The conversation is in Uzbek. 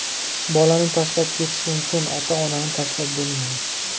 bolani tashlab ketish mumkin ota onani tashlab bo'lmaydi